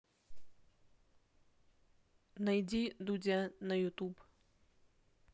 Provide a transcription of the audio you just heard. найди дудя на ютуб